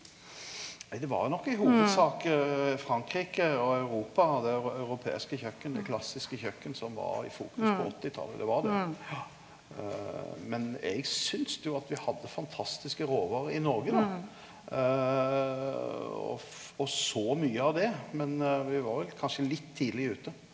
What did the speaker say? nei det var jo nok i hovudsak Frankrike og Europa og det europeiske kjøkken, det klassiske kjøkken som var i fokus på åttitalet, det var det ja men eg syntest jo at vi hadde fantastiske råvarer i Noreg då, og og så mykje av det, men vi var vel kanskje litt tidleg ute.